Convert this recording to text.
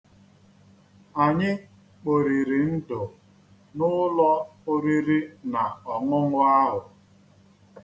Anyị kporiri ndụ n'ụlọ oriri na ọṅụṅụ ahụ.